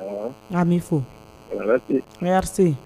An' fɔ an'rise